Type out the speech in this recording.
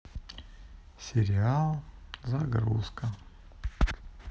сериал загрузка